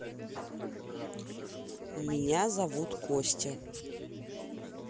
меня зовут костя